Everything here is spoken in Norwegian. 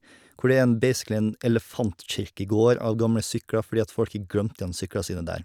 Hvor det er en basically en elefantkirkegård av gamle sykler fordi at folk har glemt igjen syklene sine der.